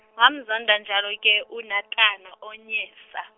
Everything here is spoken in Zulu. wamzonda njalo-ke uNatana Onyesa.